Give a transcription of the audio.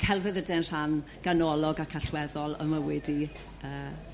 celfyddyde'n rhan ganolog ac allweddol y mywyd i yrr.